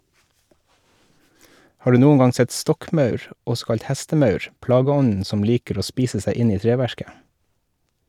Har du noen gang sett stokkmaur, også kalt hestemaur, plageånden som liker å spise seg inn i treverket?